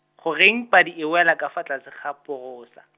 goreng padi e wela ka fa tlase ga porosa?